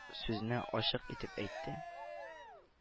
Сүзне ачык итеп әйтте